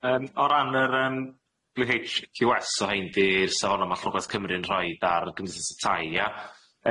Yym o ran yr yym Glyn Heitch Que Ess o rhein di'r safon am allanogledd Cymru'n rhoid ar gymdeithas y tai ia?